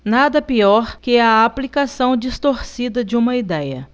nada pior que a aplicação distorcida de uma idéia